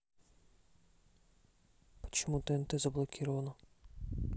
почему тнт заблокировано